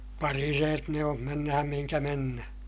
parireet ne on mennään mihin mennään